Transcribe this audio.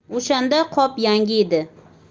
o'shanda qop yangi edi